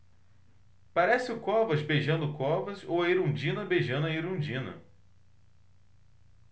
parece o covas beijando o covas ou a erundina beijando a erundina